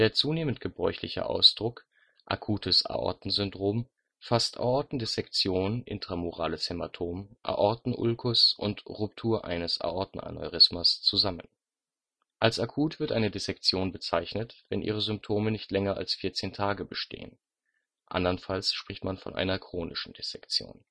zunehmend gebräuchliche Ausdruck „ Akutes Aortensyndrom “fasst Aortendissektion, intramurales Hämatom, Aortenulkus und Ruptur eines Aortenaneurysmas zusammen. Als akut wird eine Dissektion bezeichnet, wenn ihre Symptome nicht länger als 14 Tage bestehen. Andernfalls spricht man von einer chronischen Dissektion